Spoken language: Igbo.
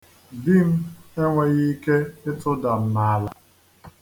Di m enweghị ike ịtụda m n'ala.